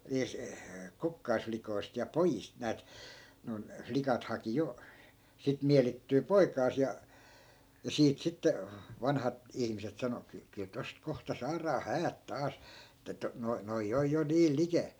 niistä kukkaslikoista ja pojista näet noin likat haki jo sitten mielittyä poikaansa ja ja siitä sitten vanhat ihmiset sanoi kyllä kyllä tuosta kohta saadaan häät taas että nuo nuo on jo niin likellä